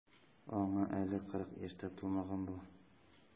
Аңа әле кырык яшь тә тулмаган була.